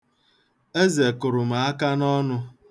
Eze kụrụ m aka n'ọnụ.